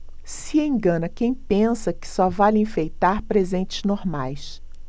se engana quem pensa que só vale enfeitar presentes normais